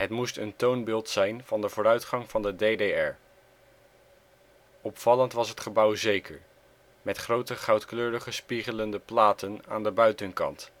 moest een toonbeeld zijn van de vooruitgang van de DDR. Opvallend was het gebouw zeker, met grote goudkleurige spiegelende platen aan de buitenkant